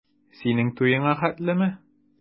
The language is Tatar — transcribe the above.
Синең туеңа хәтлеме?